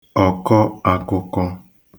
ọ̀kọakụkọ